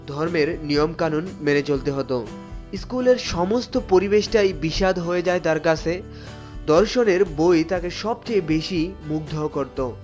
ধর্মের নিয়ম কানুন মেনে চলতে হতো স্কুলের সমস্ত পরিবেশটাই বিষাদ হয়ে যায় তার কাছে দর্শনের বই তাকে সবচেয়ে বেশি মুগ্ধ করত